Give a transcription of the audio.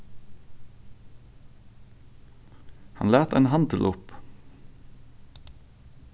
hann læt ein handil upp